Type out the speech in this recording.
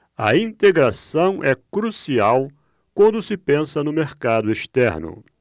a integração é crucial quando se pensa no mercado externo